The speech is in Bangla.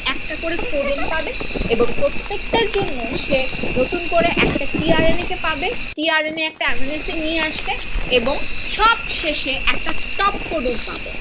একটা করে কোডন পাবে এবং প্রত্যেক টার জন্য সে নতুন করে একটা করে টি আর এন এ কে পাবে টি আর এন এ একটা এমাইনো এসিড নিয়ে আসবে এবং সবশেষে একটা স্টপ কোডন পাব